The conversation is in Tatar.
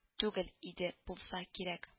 Түгел иде булса кирәк